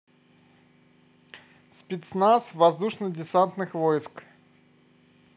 спецназ воздушно десантных войск